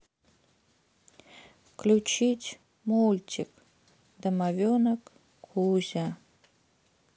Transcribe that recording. включить мультик домовенка кузю